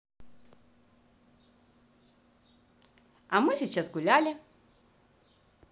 а мы сейчас гуляли